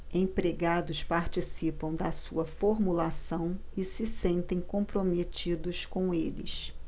empregados participam da sua formulação e se sentem comprometidos com eles